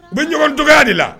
U bɛ ɲɔgɔn dɔgɔya de la.